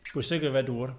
Pwysig yfed dŵr.